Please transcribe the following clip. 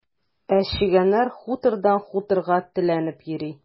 Ә чегәннәр хутордан хуторга теләнеп йөри.